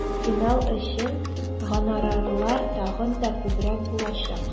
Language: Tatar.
Финал өчен гонорарлар тагын да күбрәк булачак.